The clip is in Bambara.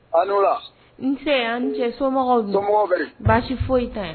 A la n yan cɛ somɔgɔw don bɛ baasi foyi ta